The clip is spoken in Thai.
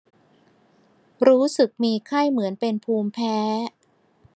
รู้สึกมีไข้เหมือนเป็นภูมิแพ้